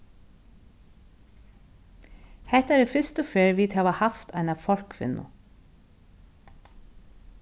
hetta er fyrstu ferð vit hava havt eina forkvinnu